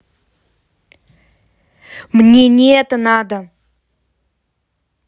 мне не это надо